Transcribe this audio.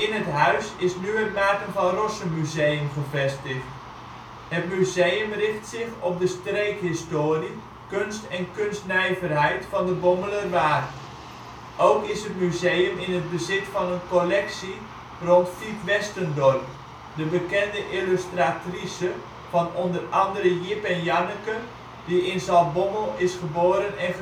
het huis is nu het Maarten van Rossummuseum gevestigd. Het museum richt zich op de streekhistorie, kunst en kunstnijverheid van de Bommelerwaard. Ook is het museum in het bezit van een collectie rond Fiep Westendorp, de bekende illustratrice van o.a. Jip en Janneke die in Zaltbommel is geboren en